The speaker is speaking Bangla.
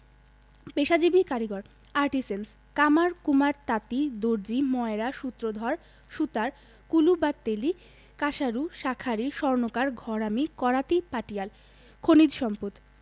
পেশাজীবী কারিগর আর্টিসেন্স কামার কুমার তাঁতি দর্জি ময়রা সূত্রধর সুতার কলু বা তেলী কাঁসারু শাঁখারি স্বর্ণকার ঘরামি করাতি পাটিয়াল খনিজ সম্পদ